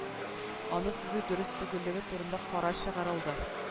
Аны төзү дөрес түгеллеге турында карар чыгарылды